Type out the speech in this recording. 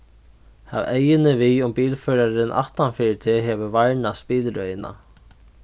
hav eyguni við um bilførarin aftan fyri teg hevur varnast bilrøðina